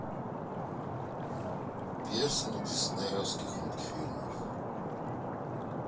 песни диснеевских мультфильмов